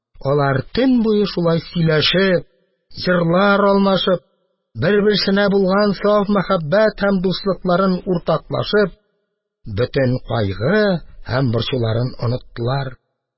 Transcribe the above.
Алар, төн буе шулай сөйләшеп, җырлар алмашып, бер-берсенә булган саф мәхәббәт һәм дуслыкларын уртаклашып, бөтен кайгы һәм борчуларын оныттылар.